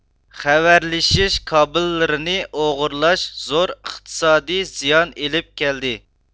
خەۋەرلىشىش كابىللىرىنى ئوغرىلاش زور ئىقتىسادىي زىيان ئېلىپ كەلدى